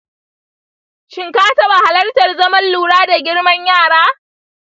shin ka taɓa halartar zaman lura da girman yara?